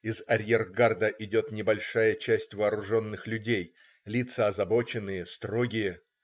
Из арьергарда идет небольшая часть вооруженных людей. Лица озабоченные, строгие.